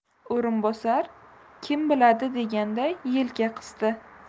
o'rinbosar kim biladi deganday yelka qisdi